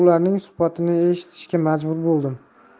ularning suhbatini eshitishga majbur bo'ldim